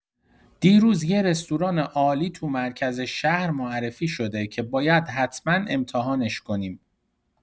دیروز یه رستوران عالی تو مرکز شهر معرفی شده که باید حتما امتحانش کنیم.